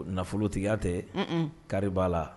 Nafolotigiya tɛ kari' la